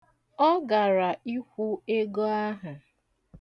Ọ gara ịkwụ ego ahụ.